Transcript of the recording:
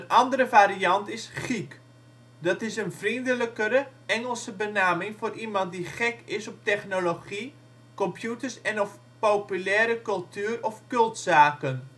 andere variant is: " geek ". Dat is een vriendelijkere, Engelse benaming voor iemand die gek is op technologie, computers en/of populaire cultuur of cult-zaken